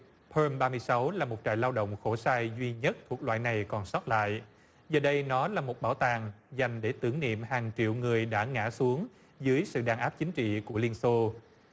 hơn ba mươi sáu là một trại lao động khổ sai duy nhất thuộc loại này còn sót lại giờ đây nó là một bảo tàng dành để tưởng niệm hàng triệu người đã ngã xuống dưới sự đàn áp chính trị của liên xô